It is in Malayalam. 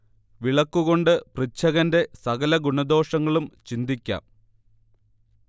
വിളക്കു കൊണ്ട് പൃച്ഛകന്റെ സകല ഗുണദോഷങ്ങളും ചിന്തിക്കാം